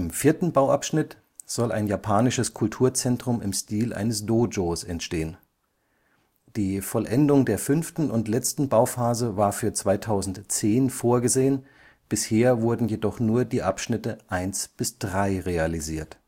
vierten Bauabschnitt soll ein japanisches Kulturzentrum im Stil eines Dōjōs entstehen. Die Vollendung der fünften und letzten Bauphase war für 2010 vorgesehen; bisher wurden jedoch nur die Abschnitte eins bis drei realisiert